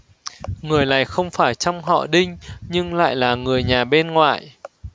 người này không phải trong họ đinh nhưng lại là người nhà bên ngoại